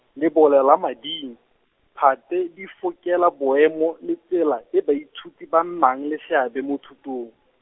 lebolelamading, phate di fokela boemo le tsela e baithuti ba nnang le seabe mo thutong.